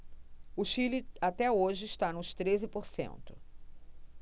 o chile até hoje está nos treze por cento